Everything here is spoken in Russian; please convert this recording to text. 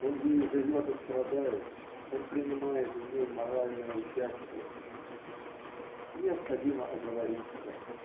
он ею живет и страдает, он принимает в ней моральное участие. Необходимо оговориться